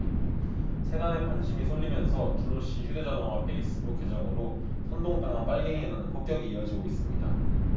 세간의 관심이 쏠리면서 준호씨 휴대전화와 페이스북 계정으로 선동 당한 빨갱이라는 폭격이 이어지고 있습니다